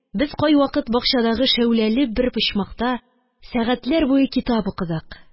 Без кайвакыт бакчадагы шәүләле бер почмакта сәгатьләр буе китап укыдык